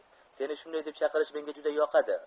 seni shunday deb chaqirish menga juda yoqadi